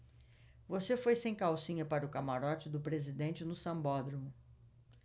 você foi sem calcinha para o camarote do presidente no sambódromo